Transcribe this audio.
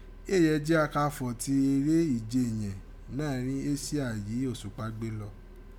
éè yẹ ji a ka fọ̀ ti eré e ìje yẹ̀n náìrí àsíá yìí òsùpá gbé lọ.